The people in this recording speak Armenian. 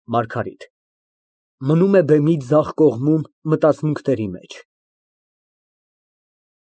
ՄԱՐԳԱՐԻՏ ֊ (Մնում է բեմի ձախ կողմում մտածմունքների մեջ)։